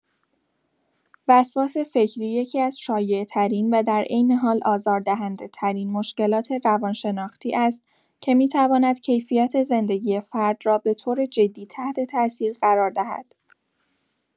وسواس فکری یکی‌از شایع‌ترین و در عین حال آزاردهنده‌ترین مشکلات روان‌شناختی است که می‌تواند کیفیت زندگی فرد را به‌طور جدی تحت‌تأثیر قرار دهد.